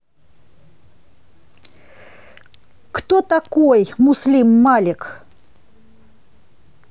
кто такой муслим малик